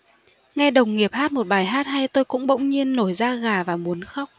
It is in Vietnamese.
nghe đồng nghiệp hát một bài hát hay tôi cũng bỗng nhiên nổi da gà và muốn khóc